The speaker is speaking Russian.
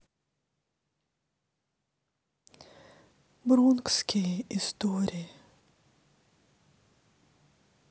бронкские истории